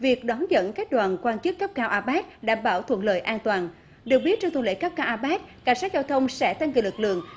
việc đón dẫn các đoàn quan chức cấp cao a péc đảm bảo thuận lợi an toàn được biết trong tuần lễ cấp cao a péc cảnh sát giao thông sẽ tăng cường lực lượng